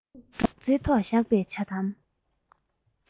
སྒྲོག ཙེའི ཐོག བཞག པའི ཇ དམ